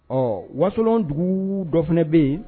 Ɔ wasolon dugu dɔ fana bɛ yen